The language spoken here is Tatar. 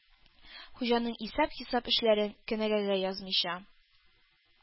Хуҗаның исәп-хисап эшләрен кенәгәгә язмыйча,